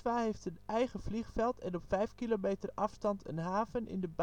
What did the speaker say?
heeft een eigen vliegveld en op vijf kilometer afstand een haven in de